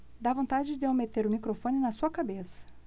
dá vontade de eu meter o microfone na sua cabeça